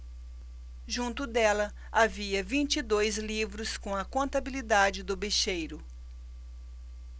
junto dela havia vinte e dois livros com a contabilidade do bicheiro